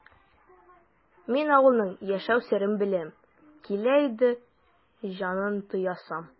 Мин авылның яшәү серен беләм, килә инде җанын тоясым!